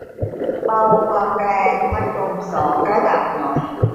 เบาความแรงพัดลมสองระดับหน่อย